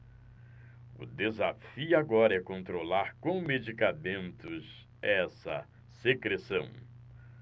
o desafio agora é controlar com medicamentos essa secreção